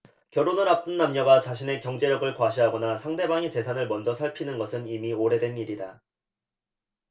결혼을 앞둔 남녀가 자신의 경제력을 과시하거나 상대방의 재산을 먼저 살피는 것은 이미 오래된 일이다